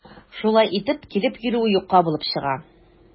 Шулай итеп, килеп йөрүе юкка булып чыга.